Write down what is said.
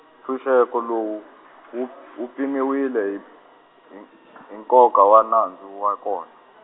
ntshuxeko lowu , wu p-, wu pimiwile hi hi n- , hi nkoka wa nandzu wa kona.